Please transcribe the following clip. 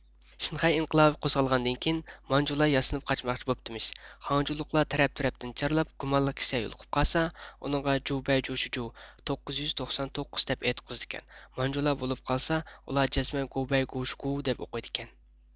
شىنخەي ئىنقىلابى قوزغالغاندىن كېيىن مانجۇلار ياسىنىپ قاچماقچى بوپتىمىش خاڭجۇلۇقلار تەرەپ تەرەپتىن چارلاپ گۇمانلىق كىشىلەر يولۇقۇپ قالسا ئۇنىڭغا جۇبەي جۇشىجۇ توققۇز يۈز توقسان توققۇز دەپ ئېيتقۇزىدىكەن مانجۇلار بولۇپ قالسا ئۇلار جەزمەن گۇۋبەي گۇۋ شىگۇۋ دەپ ئوقۇيدىكەن